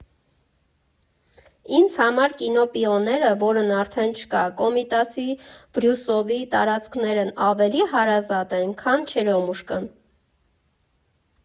Ինձ համար կինո «Պիոները», որն արդեն չկա, Կոմիտասի, Բրյուսովի տարածքներն ավելի հարազատ են, քան Չերյոմուշկան։